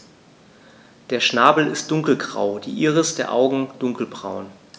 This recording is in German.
Der Schnabel ist dunkelgrau, die Iris der Augen dunkelbraun.